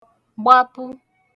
gbapu